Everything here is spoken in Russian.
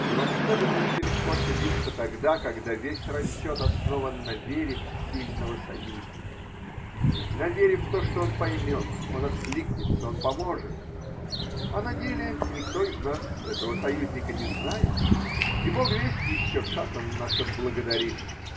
И в особенности легко ошибиться тогда, когда весь расчет основан на вере в сильного союзника, на вере в то, что он поймет, он откликнется, он поможет, – а на деле никто из нас этого союзника не знает, и Бог весть еще, как он нас отблагодарит.